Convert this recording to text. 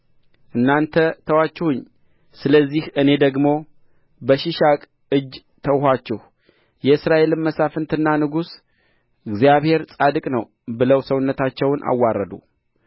እናንተ ተዋችሁኝ ስለዚህ እኔ ደግሞ በሺሻቅ እጅ ተውኋችሁ የእስራኤልም መሳፍንትና ንጉሡ እግዚአብሔር ጻድቅ ነው ብለው ሰውነታቸውን አዋረዱ